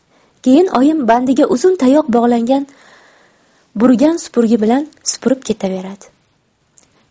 keyin oyim bandiga uzun tayoq bog'langan burgan supurgi bilan supurib ketaveradi